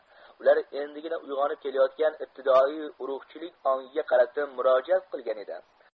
ular endigina uyg'onib kelayotgan ibtidoiy urug'chilik ongiga qarata murojaat qilgan edi